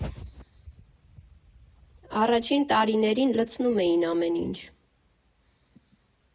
Առաջին տարիներին լցնում էին ամեն ինչ։